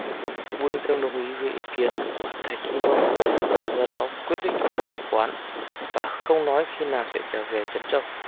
vương dung đồng ý với ý kiến của thạch hi mông và do đó quyết định ở lại quán và không nói khi nào sẽ trở về trấn châu